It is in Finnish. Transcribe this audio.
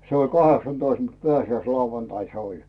se oli kahdeksantoista mutta pääsiäislauantaina se oli